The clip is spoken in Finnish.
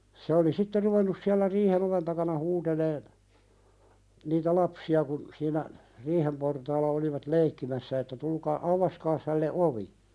se oli sitten ruvennut siellä riihen oven takana huutelemaan niitä lapsia kun siinä riihen portaalla olivat leikkimässä että tulkaa aukaiskaa hänelle ovi